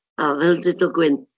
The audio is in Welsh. O, fel deudodd Gwyn...